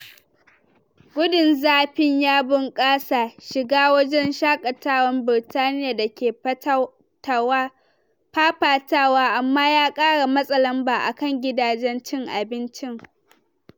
Gudun zafi ya bunkasa shiga wajen shakatawa Birtaniya da ke fafatawa amma ya kara matsa lamba a kan gidajen cin abinci.